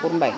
pour mbay